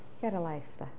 Get a life de.